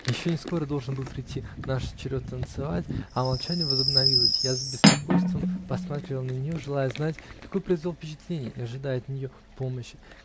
Еще не скоро должен был прийти наш черед танцевать, а молчание возобновилось: я с беспокойством посматривал на нее, желая знать, какое произвел впечатление, и ожидая от нее помощи.